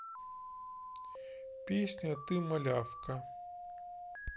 песня ты малявка